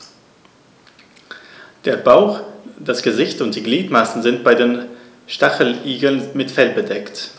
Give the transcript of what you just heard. Der Bauch, das Gesicht und die Gliedmaßen sind bei den Stacheligeln mit Fell bedeckt.